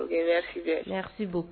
Sibon